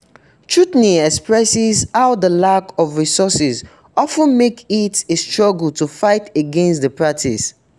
Chutni expresses how the lack of resources often makes it a struggle to fight against the practice.